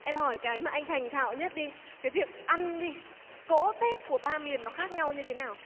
em hỏi cái mà anh thành thạo nhất đi cái việc ăn đi cỗ tết của ba miền nó khác nhau như thế nào